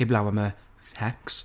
heblaw am y sex.